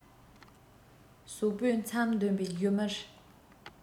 ཟོག པོའི མཚམ འདོན པའི བཞུ མར